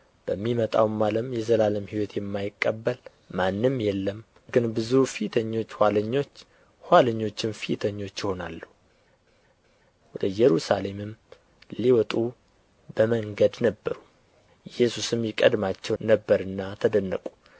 በሚመጣውም ዓለም የዘላለም ሕይወት የማይቀበል ማንም የለም ግን ብዙ ፊተኞች ኋለኞች ኋለኞችም ፊተኞች ይሆናሉ ወደ ኢየሩሳሌምም ሊወጡ በመንገድ ነበሩ ኢየሱስም ይቀድማቸው ነበርና ተደነቁ